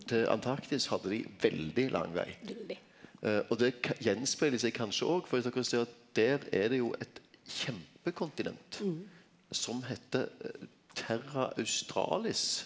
til Antarktis hadde dei veldig lang veg, og det gjenspeglar seg kanskje òg fordi at dokker ser at der er det jo eit kjempekontinent som heiter Terra Australis.